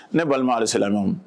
Ne balima alisilamɛw